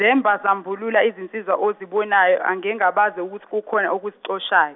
zemba zambulula izinsizwa ozibonayo angengabaze kukhona okuzixoshayo.